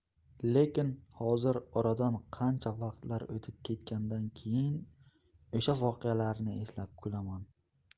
lekin hozir oradan qancha vaqtlar o'tib ketgandan keyin o'sha voqealarni eslab kulaman